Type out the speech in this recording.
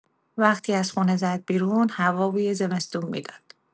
وقتی از خونه زد بیرون، هوا بوی زمستون می‌داد.